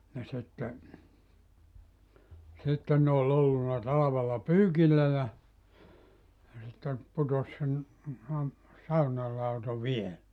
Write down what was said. ja sitten sitten ne oli ollut talvella pyykillä ja ja sitten putosi sen tuon saunan lauto vielä